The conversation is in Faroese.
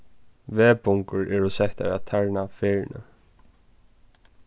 vegbungur eru settar at tarna ferðini